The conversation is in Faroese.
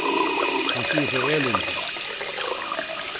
hann sigur frá ælingi